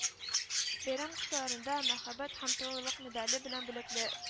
Бәйрәм кысаларында Мәхәббәт һәм тугрылык медале белән бүләклә